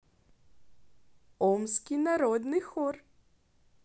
омский народный хор